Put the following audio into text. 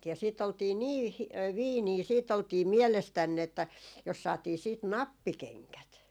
ja sitten oltiin niin - fiinejä sitten oltiin mielestään että jos saatiin sitten nappikengät